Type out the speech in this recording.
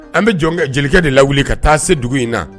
An bɛ jɔnkɛ jelikɛ de lawili ka taa se dugu in na.